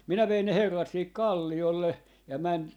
minä vein ne herrat siihen kalliolle ja meni